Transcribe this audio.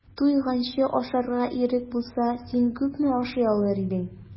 Туйганчы ашарга ирек булса, син күпме ашый алыр идең?